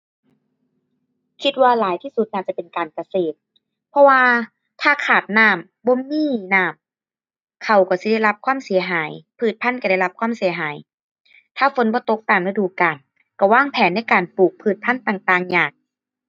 คิดว่าหลายที่สุดน่าจะเป็นการเกษตร เพราะว่า ถ้าขาดน้ำบ่มีน้ำ ข้าวก็สิได้รับความเสียหาย พืชพันธุ์ก็ได้รับความเสียหาย ถ้าฝนบ่ตกตามฤดูกาล ก็วางแผนในการปลูกพืชพันธุ์ต่างต่างยาก